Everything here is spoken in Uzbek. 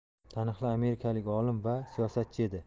taniqli amerikalik olim va siyosatchi edi